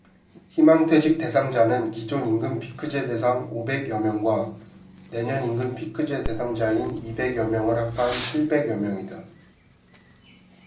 희망퇴직 대상자는 기존 임금피크제 대상 오백 여 명과 내년 임금피크제 대상자인 이백 여 명을 합한 칠백 여 명이다